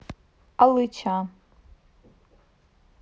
алыча